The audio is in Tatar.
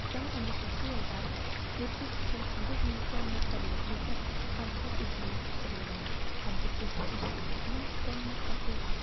2015 елда 488 мең тонна терлек ите һәм кош ите җитештерелгән һәм 468 мең тонна сатылган.